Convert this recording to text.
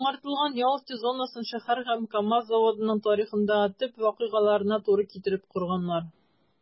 Яңартылган ял итү зонасын шәһәр һәм КАМАЗ заводының тарихындагы төп вакыйгаларына туры китереп корганнар.